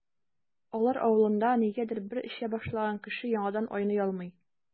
Алар авылында, нигәдер, бер эчә башлаган кеше яңадан айный алмый.